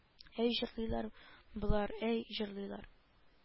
Әй җырлыйлар болар әй җырлыйлар